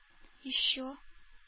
Ещё